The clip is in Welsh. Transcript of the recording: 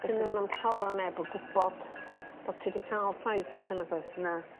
Beth yw... llawar o neb yn gwbod bo ti 'di ca'l taith allan nagoedd? Na.